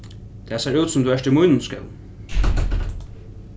tað sær út sum tú ert í mínum skóm